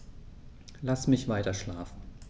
Lass mich weiterschlafen.